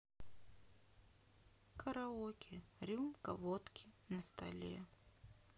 караоке рюмка водки на столе